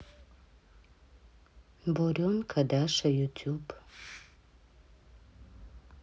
буренка даша ютуб